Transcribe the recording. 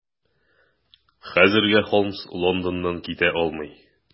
Хәзергә Холмс Лондоннан китә алмый.